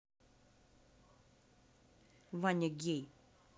ваня гей